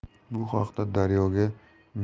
bu haqda daryo ga